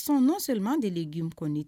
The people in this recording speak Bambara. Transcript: Son n' siriman deli gɔnɔni tɛ